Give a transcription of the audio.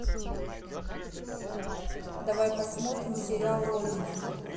давай посмотрим сериал родина